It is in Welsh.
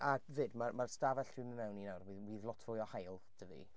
A 'fyd ma' ma'r stafell dwi'n mynd i mewn i ni nawr, mi fydd lot fwy o haul 'da fi.